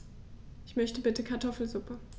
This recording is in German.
Ich möchte bitte Kartoffelsuppe.